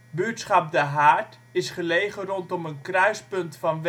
de Haart is gelegen rondom een kruispunt van wegen